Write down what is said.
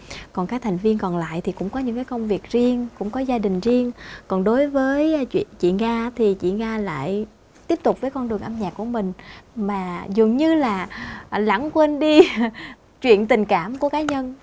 còn các thành viên còn lại thì cũng có những cái công việc riêng cũng có gia đình riêng còn đối với chị chị nga thì chị nga lại tiếp tục với con đường âm nhạc của mình mà dường như là lãng quên đi chuyện tình cảm của cá nhân